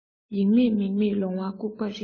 ཡིག མེད མིག མེད ལོང བ སྐུགས པ རེད